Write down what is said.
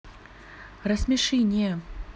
рассмеши не